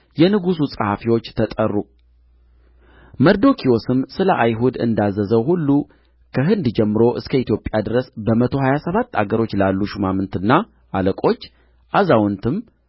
የንጉሡ ጸሐፊዎች ተጠሩ መርዶክዮስም ስለ አይሁድ እንዳዘዘው ሁሉ ከህንድ ጀምሮ እስከ ኢትዮጵያ ድረስ በመቶ ሀያ ሰባቱ አገሮች ላሉ ሹማምትና አለቆች አዛውንትም